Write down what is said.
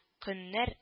Көннәр